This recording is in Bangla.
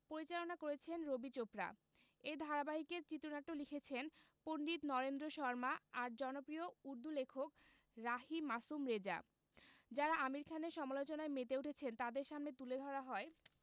পরিচালনা করেছেন রবি চোপড়া এই ধারাবাহিকের চিত্রনাট্য লিখেছেন পণ্ডিত নরেন্দ্র শর্মা আর জনপ্রিয় উর্দু লেখক রাহি মাসুম রেজা যাঁরা আমির খানের সমালোচনায় মেতে উঠেছেন তাঁদের সামনে তুলে ধরা হয়